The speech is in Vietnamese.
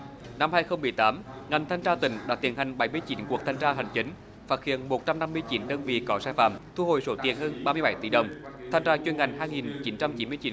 năm hai không mười tám ngành thanh tra tỉnh đã tiến hành bảy mươi chín cuộc thanh tra hành chính phát hiện một trăm năm mươi chín đơn vị có sai phạm thu hồi số tiền hơn ba mươi bảy tỷ đồng thanh tra chuyên ngành hai nghìn chín trăm chín mươi chín